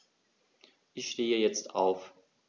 Ich stehe jetzt auf.